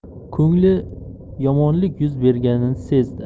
ko'ngli yomonlik yuz berganini sezdi